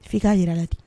F'i k'a jira ten